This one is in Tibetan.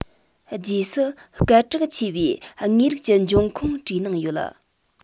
རྗེས སུ སྐད གྲགས ཆེ བའི དངོས རིགས ཀྱི འབྱུང ཁུངས བྲིས གནང ཡོད